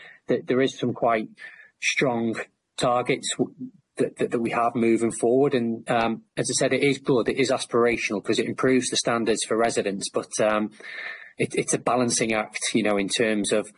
ther- there is some quite strong targets w- that that we have moving forward and erm, as I said it is good, it is aspirational, cause it improves the standards for residents, but um it's it's a balancing act you know in terms of